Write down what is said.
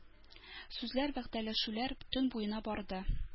Сүзләр, вәгъдәләшүләр төн буена барды.